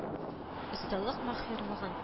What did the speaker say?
Осталык-маһирлыгын